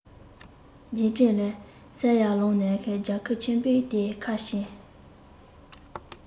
རྗེས དྲན ལས སད ཡར ལངས ནས རྒྱབ ཁུག ཆེན པོ དེའི ཁ ཕྱེས